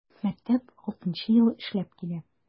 Мәктәп 6 нчы ел эшләп килә.